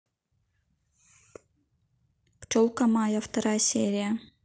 пчелка майя вторая серия